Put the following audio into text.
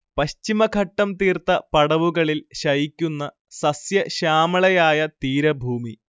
പശ്ചിമഘട്ടം തീർത്ത പടവുകളിൽ ശയിക്കുന്ന സസ്യ ശ്യാമളയായ തീരഭൂമി